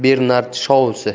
ishonmayman bernard shousi